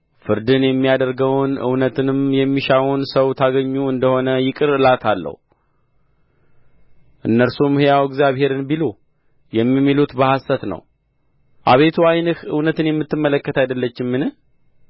ፍርድን የሚያደርገውን እውነትንም የሚሻውን ሰው ታገኙ እንደሆነ ይቅር እላታለሁ እነርሱም ሕያው እግዚአብሔርን ቢሉ የሚምሉት በሐሰት ነው አቤቱ ዓይንህ እውነትን የምትመለከት አይደለችምን